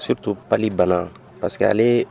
Surtout palu :banna parce que ale